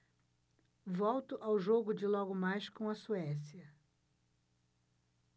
volto ao jogo de logo mais com a suécia